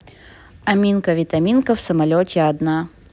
аминка витаминка в самолете одна